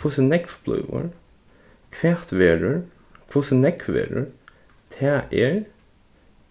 hvussu nógv blívur hvat verður hvussu nógv verður tað er